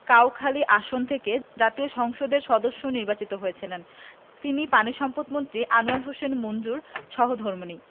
কাউখালী আসন থেকে জাতীয় সংসদের সদস্য নির্বাচিত হয়েছিলেন তিনি পানিসম্পদমন্ত্রী আনোয়ার হোসেন মঞ্জুর সহধর্মিণী